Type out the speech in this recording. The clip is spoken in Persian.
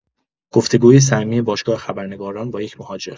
گفتگوی صمیمی باشگاه خبرنگاران با یک مهاجر